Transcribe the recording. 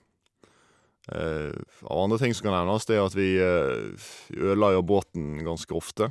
Av andre ting som kan nevnes, er at vi vi ødela jo båten ganske ofte.